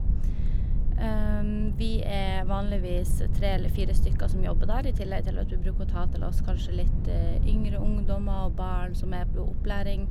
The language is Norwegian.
Vi er vanligvis tre eller fire stykker som jobber der, i tillegg til at vi bruker å ta til oss kanskje litt yngre undommer og barn som er bli opplæring.